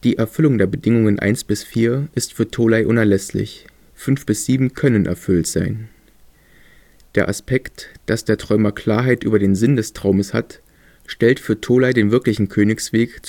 Erfüllung der Bedingungen eins bis vier ist für Tholey unerlässlich, fünf bis sieben können erfüllt sein. Der Aspekt, dass der Träumer Klarheit über den Sinn des Traumes hat, stellt für Tholey den wirklichen „ Königsweg